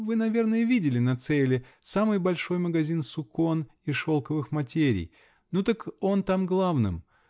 Вы, наверное, видели на Цейле самый большой магазин сукон и шелковых материй? Ну, так он там главным.